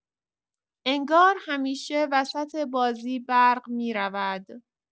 انگار همیشه وسط بازی برق می‌رود.